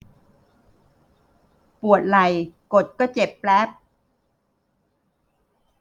ปวดไหล่กดก็เจ็บแปล๊บ